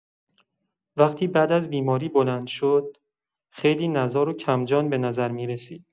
وقتی بعد از بیماری بلند شد، خیلی نزار و کم‌جان به نظر می‌رسید.